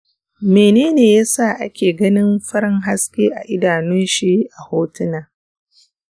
mene yasa ake ganin farin haske a idanunshi a hotuna?